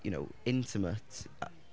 you know, intimate...